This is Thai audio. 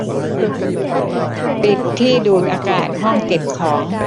ปิดที่ดูดอากาศห้องเก็บของ